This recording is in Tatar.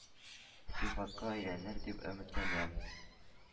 Сыйфатка әйләнер дип өметләнәм.